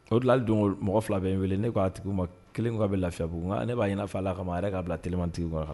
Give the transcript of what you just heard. O dilan don mɔgɔ fila bɛ yen wele ne k'a tigi ma kelen ko a bɛ lafibugu nka ne b'a ɲiniina f a la a kama ma yɛrɛ ka' bila kelenma tigi kɔnɔ kan